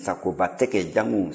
sagoba tɛgɛ ja n kun